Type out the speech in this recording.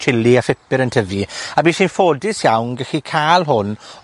chili a phupur yn tyfu, ac bues i'n ffodus iawn gallu cael hwn